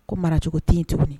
Ko maracogo tɛyen tuguni.